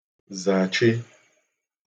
zàchi